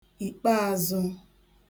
ìkpeàzụ